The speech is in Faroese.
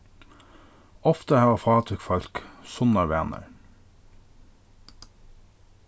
ofta hava fátøk fólk sunnar vanar